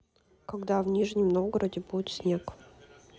когда в нижнем новгороде будет снег